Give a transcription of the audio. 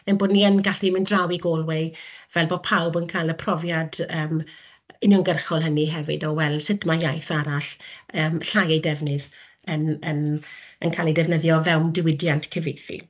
ein bod ni yn gallu mynd draw i Galway fel bod pawb yn cael y profiad yym uniongyrchol hynny hefyd o weld sut ma' iaith arall yym llai ei defnydd yn yn yn cael ei defnyddio o fewn diwydiant cyfieithu.